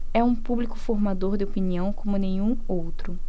é um público formador de opinião como nenhum outro